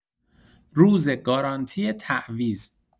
روز گارانتی تعویض